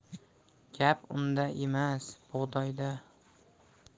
gap unda emas bug'doyda